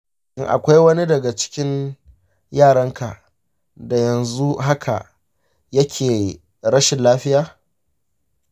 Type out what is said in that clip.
shin akwai wani daga cikin yaranka da yanzu haka yake rashin lafiya?